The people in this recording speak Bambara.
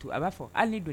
A b'a fɔ hali